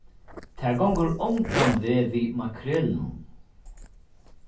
tað gongur ongan veg við makrelinum